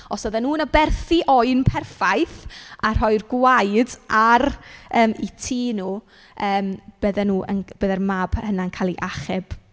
Os oedden nhw'n aberthu oen perffaith, a rhoi'r gwaed ar yym eu tŷ nhw yym bydden nhw yn... byddai'r mab hyna yn cael ei achub.